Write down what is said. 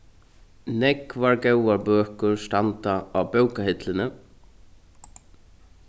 nógvar góðar bøkur standa á bókahillini